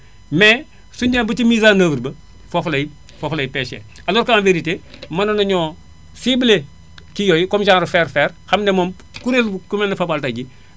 mais suñu demee ba ci mise en oeuvre ba foofu lay foofu lay peché alors qu' en vérité mënoon nañoo ciblé kii yooyu comme genre faire faire xam ne moom kuréelu ku mel ne Fapal tay jii